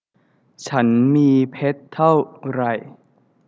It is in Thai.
ฉันมีเพชรเท่าไร